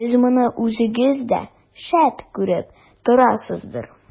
Сез моны үзегез дә, шәт, күреп торасыздыр.